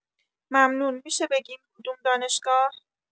ممنون می‌شه بگین کدوم دانشگاه؟